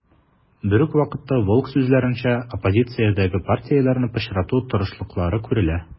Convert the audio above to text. Берүк вакытта, Волк сүзләренчә, оппозициядәге партияләрне пычрату тырышлыклары күрелә.